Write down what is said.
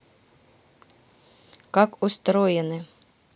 как устроены